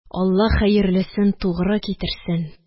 Алла хәерлесен тугры китерсен